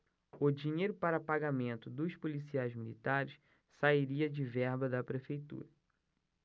o dinheiro para pagamento dos policiais militares sairia de verba da prefeitura